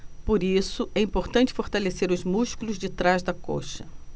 por isso é importante fortalecer os músculos de trás da coxa